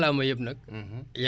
mais si kàllaama yu bëri